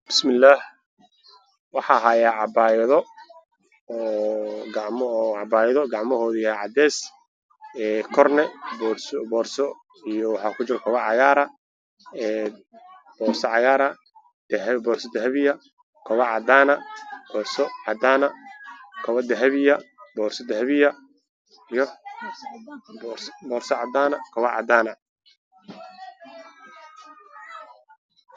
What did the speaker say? Bismilaah waxaan hayaa cabaayado gacmahooda uu yahay cadays ee Korna boorso iyo waxaa ku jiro kabo cagaar ah boorso cagaar ah, boorso dahabi ah kabo cadaan ah, boorso cadaan ah, kabo dahabi ah, boorso dahabi ah iyo boorso cadaan iyo kabo cadaan ah